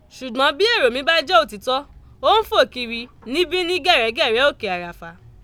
Ṣùgbọ́n bí èrò mi bá jẹ́ òtítọ́, ó ń fò kiri níbi ní gẹ̀rẹ́gẹ̀rẹ́ òkè Àràfá."